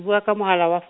bua ka mohala wa f-.